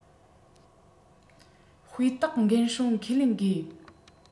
སྤུས དག འགན སྲུང ཁས ལེན དགོས